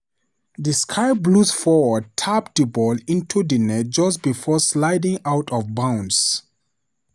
The Sky Blues forward tapped the ball into the net just before sliding out of bounds.